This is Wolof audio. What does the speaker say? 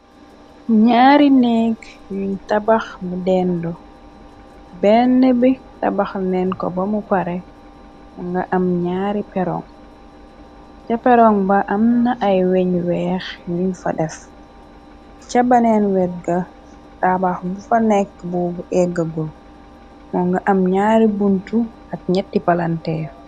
Ñaari negg yuñ tabax mu deendo benn bi tabax neen ko bamu pare mo nga am ñaari perong ca perong ba amna ay weñ weex yuñ fa des ca baneen wegga tabax bu fa nekk bubu egga gul moo nga am ñaari buntu ak ñetti palanteer.